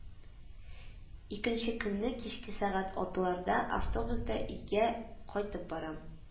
Икенче көнне кичке сәгать алтыларда автобуста өйгә кайтып барам